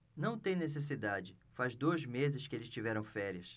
não tem necessidade faz dois meses que eles tiveram férias